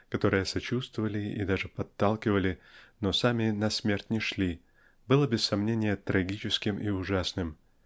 которые "сочувствовали" и даже подталкивали но сами на смерть не шли было без сомнения трагическим и ужасным.